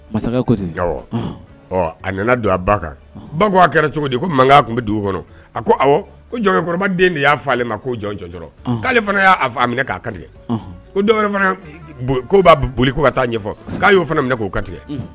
Masakɛ ja a nana don a ba kan ba ko a kɛra cogo di ko mankan tun bɛ dugu kɔnɔ a ko jɔnkɔrɔba den de y'a ma ko jɔn k'ale fana y'a fa minɛ k'a tigɛ fana koba boli ko ka taa ɲɛfɔ k'a y'o fana minɛ k'o tigɛ